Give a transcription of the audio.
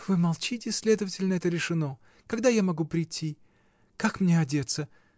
— Вы молчите, следовательно это решено: когда я могу прийти? Как мне одеться?